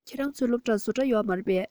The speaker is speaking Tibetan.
ཁྱོད རང ཚོའི སློབ གྲྭར བཟོ གྲྭ ཡོད རེད པས